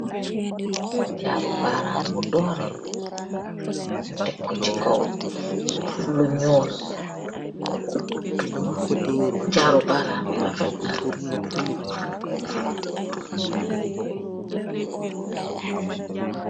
Jaaru baaram bu doreh, nyu tek ko chi kaw lu nyull, jaaru baarambi refetna.